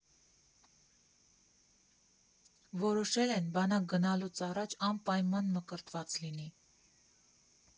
Որոշել են՝ բանակ գնալուց առաջ անպայման մկրտված լինի։